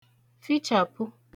fichàpu